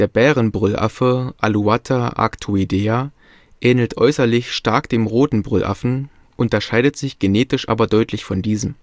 Der Bärenbrüllaffe (Alouatta arctoidea) ähnelt äußerlich stark dem Roten Brüllaffen, unterscheidet sich genetisch aber deutlich von diesem